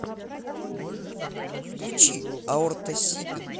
включи аорта сипин